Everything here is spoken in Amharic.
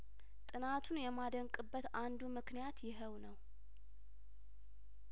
ጥናቱን የማደንቅበት አንዱ ምክንያት ይኸው ነው